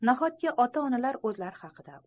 nahotki ota onalar o'zlari haqida